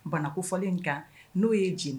Banakofɔlen kan n'o ye j